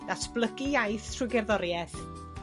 datblygu iaith trwy gerddorieth,